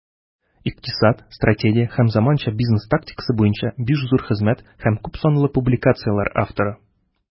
Икътисад, стратегия һәм заманча бизнес тактикасы буенча 5 зур хезмәт һәм күпсанлы публикацияләр авторы.